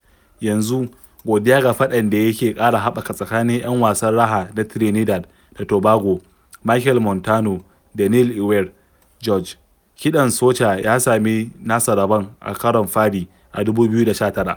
Yanzu, godiya ga faɗan da yake ƙara haɓaka tsakanin 'yan wasan raha na Trinidad da Tobago, Machel Montano da Neil “Iwer” George, kiɗan soca ya sami nasa rabon a karon fari a 2019.